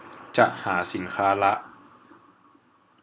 จะหาสินค้าละ